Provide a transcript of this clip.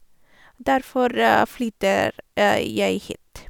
Derfor flytter jeg hit.